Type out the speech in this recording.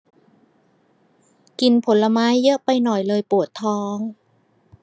กินผลไม้เยอะไปหน่อยเลยปวดท้อง